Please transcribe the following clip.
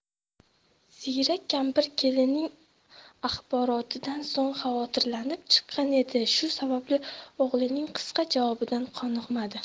ziyrak kampir kelinining axborotidan so'ng xavotirlanib chiqqan edi shu sababli o'g'lining qisqa javobidan qoniqmadi